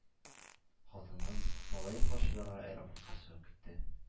Хатынын, малаен каршыларга аэропортка чыгып китте.